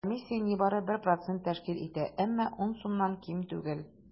Комиссия нибары 1 процент тәшкил итә, әмма 10 сумнан ким түгел.